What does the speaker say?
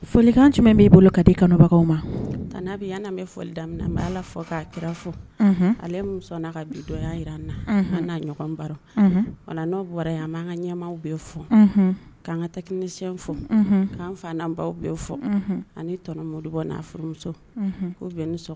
Folikan bolobagaw ma' bɛ yan bɛ foli da bɛ ala fɔ k'a kira fɔ ale ka bi dɔ jira na an' ɲɔgɔn baro wala n'o bɔra yan b'an ka ɲɛma bɛ fɔ k'an ka taksi fo k'an fabaw bɛ fɔ ani tɔnɔ mɔdibɔ n'a furumuso k' bɛ